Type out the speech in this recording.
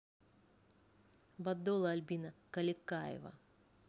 бадола альбина каликаева